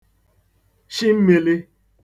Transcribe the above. shi mmīlī